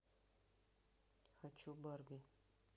хочу барби